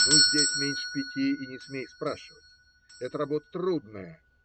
Ну, здесь меньше пяти и не смей спрашивать. Это работа трудная